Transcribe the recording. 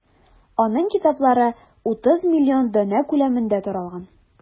Аның китаплары 30 миллион данә күләмендә таралган.